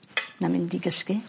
na mynd i gysgu